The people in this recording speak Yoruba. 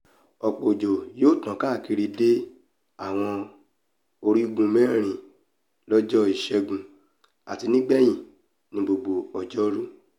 Ọ̀pọ̀ òjò yóò tàn káàkiri dé Àwọn Orígun Mẹ́rin lọ́jọ́ Ìṣẹ́gun àti nígbẹ̀yìn ni gbogbo ọjọ 'Ru.